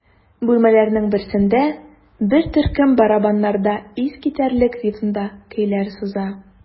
Бүлмәләрнең берсендә бер төркем барабаннарда искитәрлек ритмда көйләр суза.